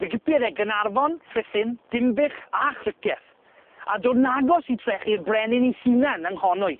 Fe gipiodd e Gynarfon, Rhuthun, Dinbych, a Chricieth a dod 'n agos i trechu'r brenin 'i hunan yng Nghonwy.